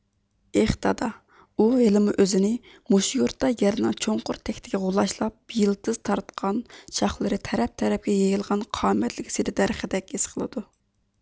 ئېخ دادا ئۇ ھېلىمۇ ئۆزىنى مۇشۇ يۇرتتا يەرنىڭ چۇڭقۇر تەكتىگە غۇلاچلاپ يىلتىز تارتقان شاخلىرى تەرەپ تەرەپكە يېيىلغان قامەتلىك سېدە دەرىخىدەك ھېس قىلىدۇ